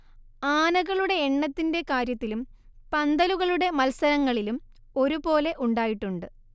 ആനകളുടെ എണ്ണത്തിന്റെ കാര്യത്തിലും പന്തലുകളൂടെ മത്സരങ്ങളിലും ഒരു പോലെ ഉണ്ടായിട്ടുണ്ട്